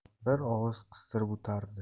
bir og'iz qistirib o'tardi